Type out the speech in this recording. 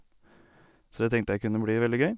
Så det tenkte jeg kunne bli veldig gøy.